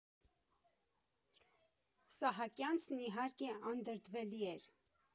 Սահակյանցն իհարկե անդրդվելի էր։